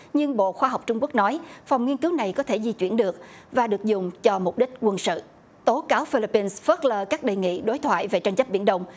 nhưng bộ khoa học trung quốc nói phòng nghiên cứu này có thể di chuyển được và được dùng cho mục đích quân sự tố cáo phơ líp pin phớt lờ các đề nghị đối thoại về tranh chấp biển đông